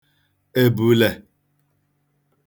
èbùlè